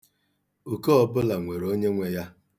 Oke ọbụla nwere onye nwe ya.